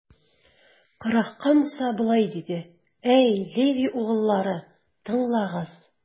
Корахка Муса болай диде: Әй Леви угыллары, тыңлагыз!